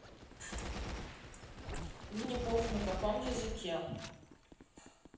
винни пух на каком языке